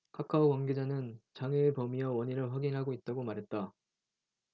카카오 관계자는 장애의 범위와 원인을 확인하고 있다 고 말했다